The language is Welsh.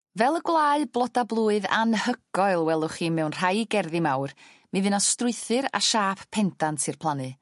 Fel y gwlau bloda blwydd anhygoel welwch chi mewn rhai gerddi mawr mi fy' 'na strwythur a siâp pendant i'r plannu.